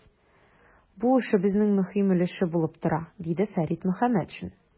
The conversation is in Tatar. Бу эшебезнең мөһим өлеше булып тора, - диде Фәрит Мөхәммәтшин.